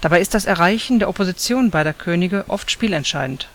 Dabei ist das Erreichen der Opposition beider Könige oft spielentscheidend